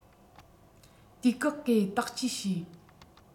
དུས བཀག གིས དག བཅོས བྱས